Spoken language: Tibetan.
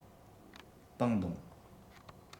པང བརྡུང